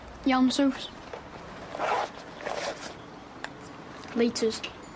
Iawn Zeus? Laters.